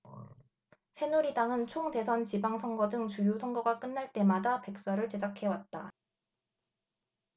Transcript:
새누리당은 총 대선 지방선거 등 주요 선거가 끝날 때마다 백서를 제작해왔다